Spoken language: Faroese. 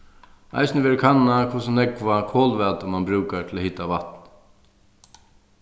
eisini verður kannað hvussu nógva kolvætu mann brúkar til at hita vatnið